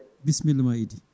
bisimilla ma Idy